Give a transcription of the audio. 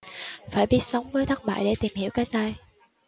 phải biết sống với thất bại để tìm hiểu cái sai